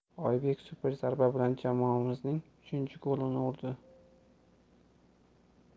oybek super zarba bilan jamoamizning uchinchi golini urdi